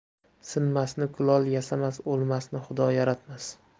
sinmasni kulol yasamas o'lmasni xudo yaratmas